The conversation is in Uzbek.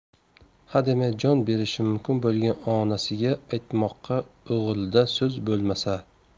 hademay jon berishi mumkin bo'lgan onasiga aytmoqqa o'g'ilda so'z bo'lmasa